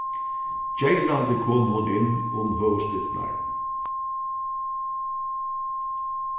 geylandi kom hon inn um høvuðsdyrnar